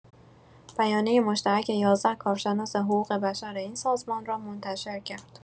بیانیه مشترک ۱۱ کارشناس حقوق‌بشر این سازمان را منتشر کرد.